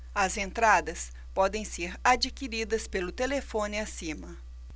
as entradas podem ser adquiridas pelo telefone acima